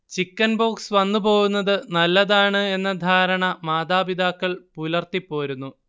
chickenpox വന്നുപോവുന്നത് നല്ലതാണു എന്ന ധാരണ മാതാപിതാക്കൾ പുലർത്തിപോരുന്നു